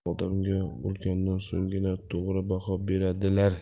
odamga o'lganidan so'nggina to'g'ri baho beradilar